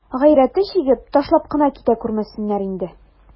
Гайрәте чигеп, ташлап кына китә күрмәсеннәр инде.